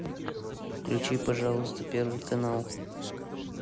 включите пожалуйста первый канал